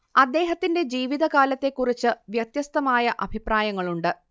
അദ്ദേഹത്തിന്റെ ജീവിതകാലത്തെക്കുറിച്ച് വ്യത്യസ്തമായ അഭിപ്രായങ്ങളുണ്ട്